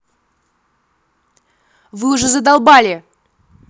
вы уже задолбали